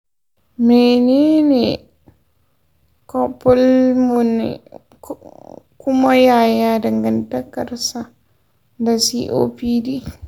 menene cor pulmonale kuma yaya dangantakar sa da copd?